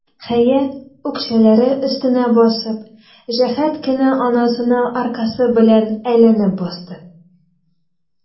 Хәят, үкчәләре өстенә басып, җәһәт кенә анасына аркасы белән әйләнеп басты.